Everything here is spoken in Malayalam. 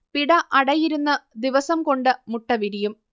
പിട അടയിരുന്നു് ദിവസംകൊണ്ട് മുട്ട വിരിയും